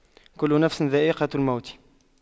كُلُّ نَفسٍ ذَائِقَةُ المَوتِ